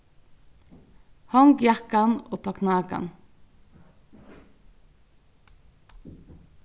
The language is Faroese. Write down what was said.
hong jakkan upp á knakan